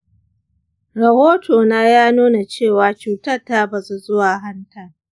rahotona ya nuna cewa cutar ta bazu zuwa hanta.